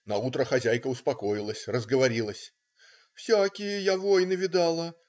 Наутро хозяйка успокоилась, разговорилась: "всякие я войны видала.